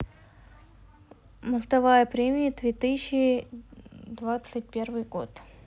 мостовая премия две тысячи двадцать первый год